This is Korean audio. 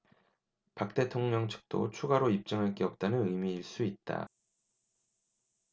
박 대통령 측도 추가로 입증할 게 없다는 의미일 수 있다